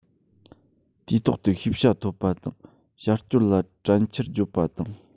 དུས ཐོག ཏུ ཤེས བྱ ཐོབ པ དང བྱ སྤྱོད ལ དྲན འཆར བརྗོད པ དང